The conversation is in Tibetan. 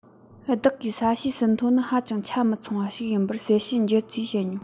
བདག གིས ས གཤིས ཟིན ཐོ ནི ཧ ཅང ཆ མི ཚང བ ཞིག ཡིན པར གསལ བཤད བགྱི རྩིས བྱེད མྱོང